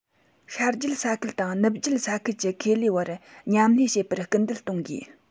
ཤར རྒྱུད ས ཁུལ དང ནུབ རྒྱུད ས ཁུལ གྱི ཁེ ལས བར མཉམ ལས བྱེད པར སྐུལ འདེད གཏོང དགོས